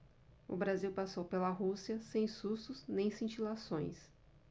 o brasil passou pela rússia sem sustos nem cintilações